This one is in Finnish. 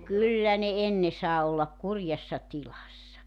kyllä ne ennen sai olla kurjassa tilassa